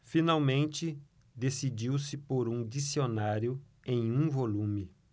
finalmente decidiu-se por um dicionário em um volume